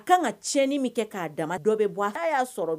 A ka kan ka tiɲɛn min kɛ k'a dama dɔ bɛ bɔ'a sɔrɔ